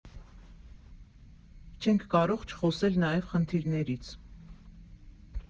Չենք կարող չխոսել նաև խնդիրներից։